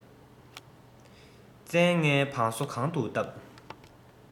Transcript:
བཙན ལྔའི བང སོ གང དུ བཏབ